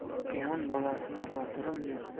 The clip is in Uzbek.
quyon bolasini botirim der